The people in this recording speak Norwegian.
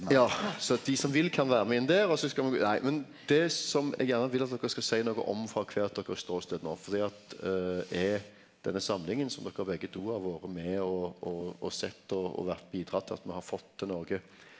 ja så dei som vil kan vere med inn der også nei men det som eg gjerne vil at dokker skal seie noko om frå kvart dykkar ståstad nå fordi at er denne samlinga som dokker begge to har vore med å å å sette å å vore bidratt til at me har fått til Noreg.